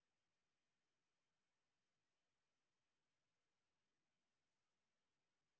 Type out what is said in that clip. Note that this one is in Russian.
покажи фильм форд против феррари